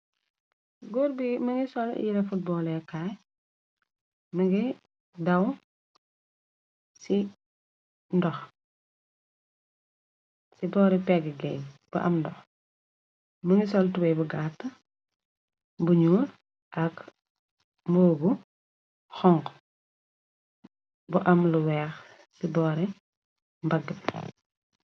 Góor bi mongi sol yire footbaal leekaay manga daw ci ndox ci boori pegg geeg bu am ndox mongi sol tubai bu gatta bu ñuul ak mbubu bu xonxu bu am lu weex ci boori mbaga bi.